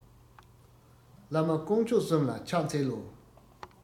བླ མ དཀོན མཆོག གསུམ ལ ཕྱག འཚལ ལོ